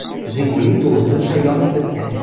“жигули” тулысынча янып беткән.